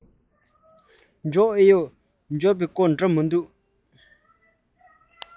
འབྱོར ཨེ ཡོད འབྱོར བའི སྐོར བྲིས མི འདུག